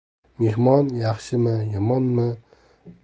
mehmon yaxshimi yomonmi bari